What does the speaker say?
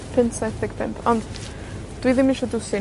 Punt saith deg pump, ond, dwi ddim isho dwsin